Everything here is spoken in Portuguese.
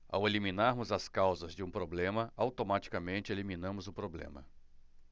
ao eliminarmos as causas de um problema automaticamente eliminamos o problema